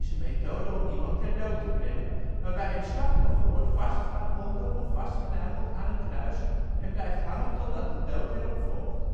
methode om iemand ter dood te brengen, waarbij het slachtoffer wordt vastgebonden of vastgenageld aan een kruis en blijft hangen totdat de dood erop volgt